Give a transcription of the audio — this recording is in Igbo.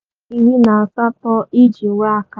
Oghere18 iji nwee akara.